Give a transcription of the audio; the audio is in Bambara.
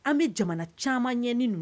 An bɛ jamana caman ɲɛani ninnu